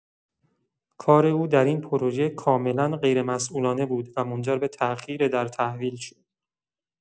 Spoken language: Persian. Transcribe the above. کار او در این پروژه کاملا غیرمسئولانه بود و منجر به تاخیر در تحویل شد.